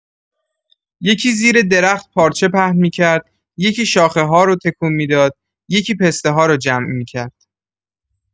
یکی زیر درخت پارچه پهن می‌کرد، یکی شاخه‌ها رو تکون می‌داد، یکی پسته‌ها رو جمع می‌کرد.